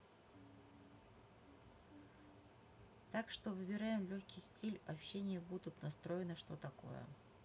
так что выбираем легкий стиль общения буду настроена что такое